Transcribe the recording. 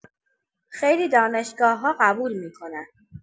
خیلی دانشگاه‌‌ها قبول می‌کنن